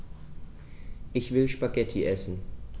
Ich will Spaghetti essen.